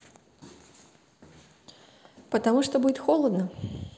потому что будет холодно